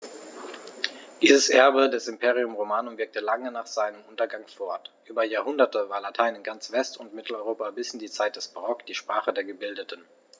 Dieses Erbe des Imperium Romanum wirkte lange nach seinem Untergang fort: Über Jahrhunderte war Latein in ganz West- und Mitteleuropa bis in die Zeit des Barock die Sprache der Gebildeten.